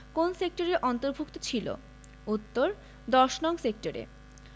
কোন সেক্টরের অন্তভুর্ক্ত ছিল উত্তরঃ ১০নং সেক্টরে